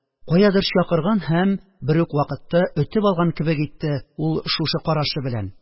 Каядыр чакырган һәм бер үк вакытта өтеп алган кебек итте ул шушы карашы белән